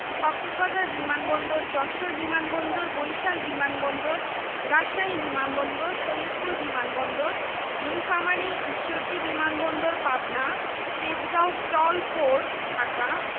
কক্সবাজার বিমান বন্দর যশোর বিমান বন্দর বরিশাল বিমান বন্দর রাজশাহী বিমান বন্দর সৈয়দপুর বিমান বন্দর নিলফামারী ঈশ্বরদী বিমান বন্দর পাবনা তেজগাঁও স্টল পোর্ট ঢাকা